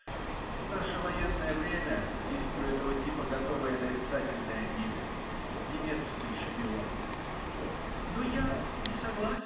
В наше военное время есть у этого типа готовое нарицательное имя: "немецкий шпион". Но я не согласен.